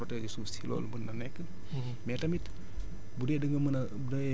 ñëw xëpp ko ci noonu rek bàyyi ko pour mu protéger suuf si loolu mun na nekk